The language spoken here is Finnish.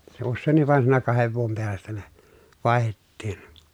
se useinkin vaan siinä kahden vuoden päästä ne vaihdettiin